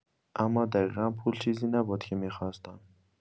اما دقیقا پول چیزی نبود که می‌خواستم.